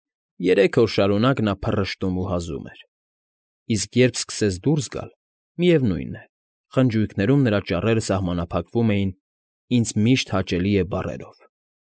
Երեք օր շարունակ նա փռշտում ու հազում էր, իսկ երբ սկսեց դուրս գալ, միևնույն է, խնջույքներում նրա ճառերը սահմանափակվում էին «ինձ խիշտ հաշելի է» բառերով։